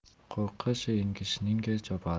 qo'rqish yengikshning chopari